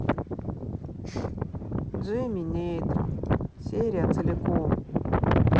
джимми нейтрон серия целиком